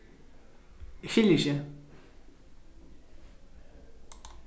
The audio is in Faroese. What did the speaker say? eg skilji ikki